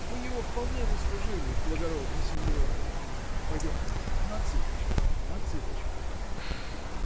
Вы его вполне заслужили, благородный синьоре! Пойдем, Эмилио! На цыпочках! На цыпочках! Шшшш!